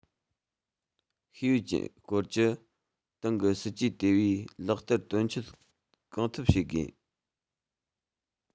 ཤེས ཡོན ཅན སྐོར གྱི ཏང གི སྲིད ཇུས དེ བས ལག བསྟར དོན འཁྱོལ གང ཐུབ བྱེད དགོས